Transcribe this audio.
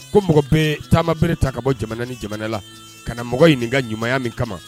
Ko mɔgɔ bɛ taama bereere ta ka bɔ jamana ni jamana la ka na mɔgɔ ɲininka ka ɲumanya min kama